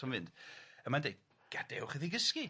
A mae'n deud 'gadewch iddi gysgu.'